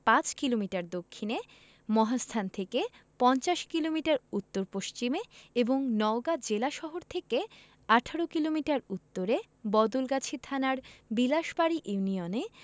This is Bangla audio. ৫ কিলোমিটার দক্ষিণে মহাস্থান থেকে পঞ্চাশ কিলোমিটার উত্তর পশ্চিমে এবং নওগাঁ জেলাশহর থেকে ১৮ কিলোমিটার উত্তরে বদলগাছি থানার বিলাসবাড়ি ইউনিয়নে